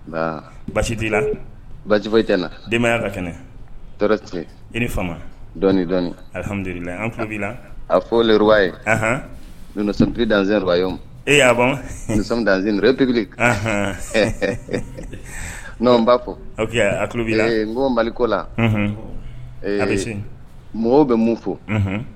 Basi t' la bafɔ tɛ na denya ka kɛnɛ tɔɔrɔ i ni fa dɔn dɔni alihamilila an ila a fɔ ye donnapbi danzbay ee'aban danz ppri n' b'a fɔbi baliko la mɔgɔw bɛ mun fɔ